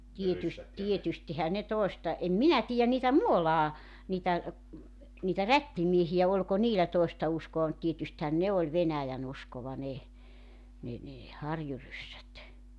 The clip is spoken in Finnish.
- tietystihän ne toista en minä tiedä niitä Muolaan niitä niitä rättimiehiä oliko niillä toista uskoa mutta tietystihän ne oli venäjänuskoa ne ne ne harjuryssät